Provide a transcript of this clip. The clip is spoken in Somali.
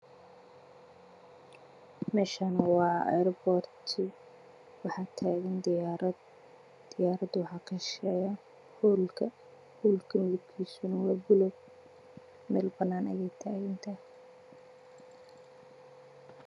Meshani waa eraborti waxaa tagan diyarad Diyaarada waxaa ka shiisheyo holka holka midabkisuna wa buluug meel banan ayey taagantahay